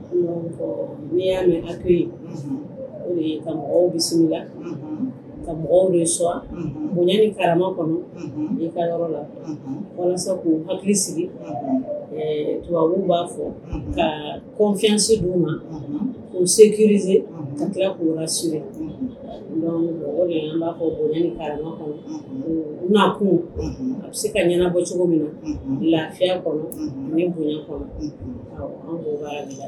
N''a mɛn mɔgɔw bɛ ka mɔgɔw bonya ni kara kɔnɔ ka yɔrɔ la walasa k'u hakili sigibabu b'a fɔ ka kɔnfɛn se d' u ma u sekie u tila k' la suur dɔnku mɔgɔ an b'a fɔ bonya ni kara kɔnɔ' kun a bɛ se ka ɲɛna bɔ cogo min na lafɛn kɔnɔ ni bonya kɔnɔ an b'' dilan